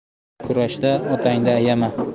kurashda otangni ayama